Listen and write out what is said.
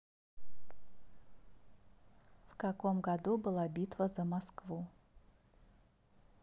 в каком году была битва за москву